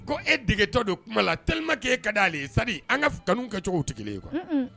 Ko e degetɔ don kuma lakɛ' e ka diale ye an ka kanu kɛ cogo tigi ye